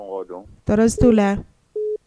Somɔgɔw don? Tɔrɔ si t'u la.